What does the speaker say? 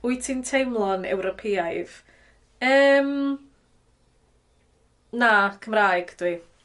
Wwyt ti'n teimlo'n Ewropeaidd? Yym. Na Cymraeg dw i.